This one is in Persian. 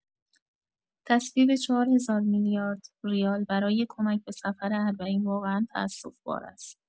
تصویب چهارهزار میلیارد ریال برای کمک به سفر اربعین واقعا تاسف‌بار است.